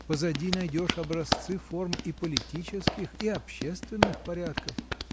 Позади найдешь образцы форм и политических, и общественных порядков.